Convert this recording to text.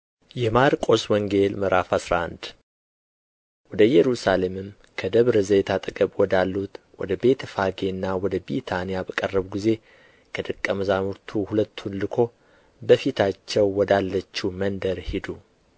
የማርቆስ ወንጌል ምዕራፍ አስራ አንድ ወደ ኢየሩሳሌምም ከደብረ ዘይት አጠገብ ወዳሉቱ ወደ ቤተ ፋጌና ወደ ቢታንያ በቀረቡ ጊዜ ከደቀ መዛሙርቱ ሁለቱን ልኮ በፊታችሁ ወዳለችው መንደር ሂዱ